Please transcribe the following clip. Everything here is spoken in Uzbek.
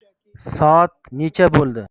soat necha bo'ldi